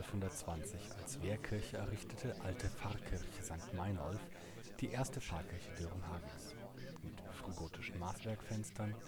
1220 als Wehrkirche errichtete alte Pfarrkirche Sankt Meinolf, die erste Pfarrkirche Dörenhagens, mit frühgotischen Maßwerkfenstern